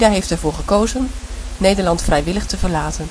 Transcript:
heeft er voor gekozen gekozen Nederland vrijwillig te verlaten